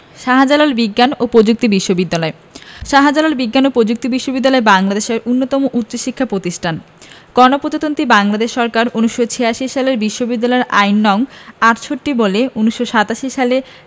শাহ্জালাল বিজ্ঞান ও প্রযুক্তি বিশ্ববিদ্যালয় শাহ্জালাল বিজ্ঞান ও প্রযুক্তি বিশ্ববিদ্যালয় বাংলাদেশের অন্যতম উচ্চশিক্ষা প্রতিষ্ঠান গণপ্রজাতন্ত্রী বাংলাদেশ সরকারের ১৯৮৬ সালের বিশ্ববিদ্যালয় আইন নং ৬৮ বলে ১৯৮৭ সালে